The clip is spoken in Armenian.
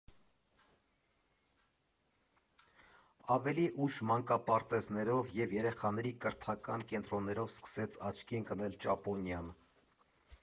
Ավելի ուշ մանկապարտեզներով և երեխաների կրթական կենտրոններով սկսեց աչքի ընկնել Ճապոնիան։